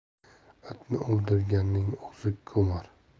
itni o'ldirganning o'zi ko'mar